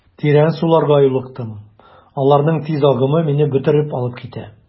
Тирән суларга юлыктым, аларның тиз агымы мине бөтереп алып китә.